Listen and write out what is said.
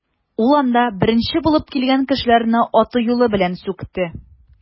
Ул анда беренче булып килгән кешеләрне аты-юлы белән сүкте.